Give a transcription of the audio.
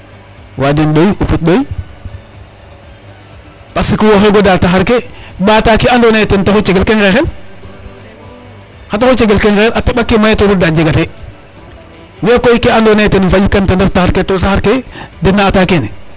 Waadin ɗoy upit ɗoy parce que woxey godaa taxar ke ɓaataa ke andoona yee ten taxu cegel ke nqeexel. Xar cegel ke nqeexel a teƥ ake maya to daaƭ jegatee we koy ke andoona yee ten o fañitkan ten ref taxar ke to taxar ke den na ata kene.